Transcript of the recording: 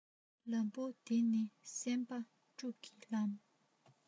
ལམ བུ འདི ནི སེམས པ དྲུང གི ལམ